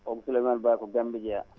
Souleymane Ba Gambidia